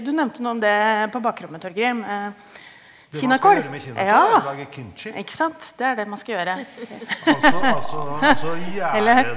du nevnte noe om det på bakrommet Torgrim, kinakål ja ikke sant det er det man skal gjøre eller?